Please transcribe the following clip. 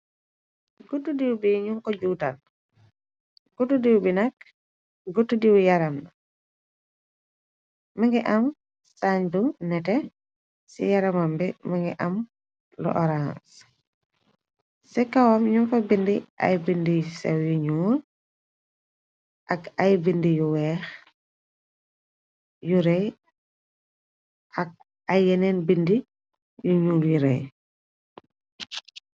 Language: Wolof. Gutu diiw bi ñu ko juutal gudtu diiw bi nakk gudtu diiw yaram la. Mun ngi am saañ bu nete ci yaramambi, mun ngi am lu orance ci kawam ñu fa bind ay bindiy sew yuñuul, ak ay bind yu weex yu rey, ak ay yeneen bindi yuñul yu rey.